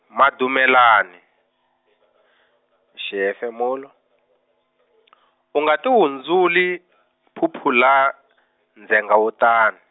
Madumelani , xihefemulo , u nga tihundzuli, phuphula, ndzhengha wo tani.